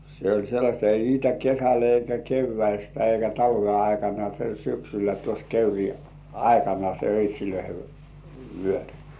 se oli sellaista ei niitä kesällä eikä keväästä eikä talven aikana se syksyllä tuossa kekrin aikana se öitsien vyöri